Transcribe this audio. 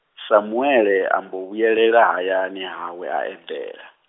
Samuele ambo vhuyelela hayani hawe a eḓela.